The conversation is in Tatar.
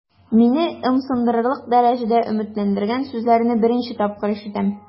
Мине ымсындырырлык дәрәҗәдә өметләндергән сүзләрне беренче тапкыр ишетәм.